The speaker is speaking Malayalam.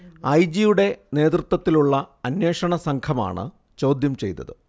ഐ. ജി. യുടെ നേതൃത്വത്തിലുള്ള അന്വേഷണ സംഘമാണ് ചോദ്യം ചെയ്തത്